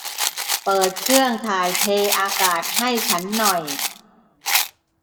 เปิดเครื่องถ่ายเทอากาศให้ฉันหน่อย